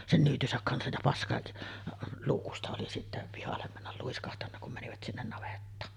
sen nyytynsä kanssa ja - paskaluukusta oli sitten pihalle mennä luiskahtanut kun menivät sinne navettaan